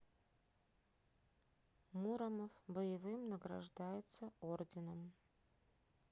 муромов боевым награждается орденом